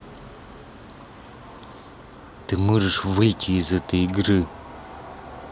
ты можешь выйти из этой игры